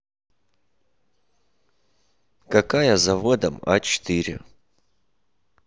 какая заводом а четыре